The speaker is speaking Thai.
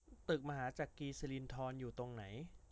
ตึกมหาจักรีสิรินธรอยู่ตรงไหน